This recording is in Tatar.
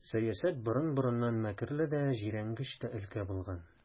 Сәясәт борын-борыннан мәкерле дә, җирәнгеч тә өлкә булган.